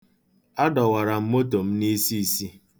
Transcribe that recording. Adọwara m moto m n'isiisi.